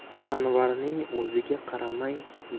anvarning o'ziga qaramay